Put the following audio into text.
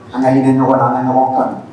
An'ale kɛ ɲɔgɔn an ka ɲɔgɔn kan